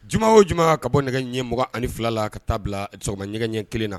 Juma o juma ka bɔ nɛgɛ 22 la ka taa bila sɔgɔma nɛgɛ ɲɛ 1 na.